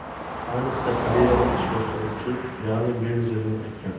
ayniqsa koreyalik ish boshqaruvchi ya'ni menejerning aytgan